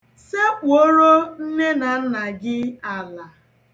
Sekpuoro nne na nna gị ala.